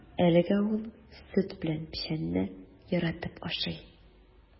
Әлегә ул сөт белән печәнне яратып ашый.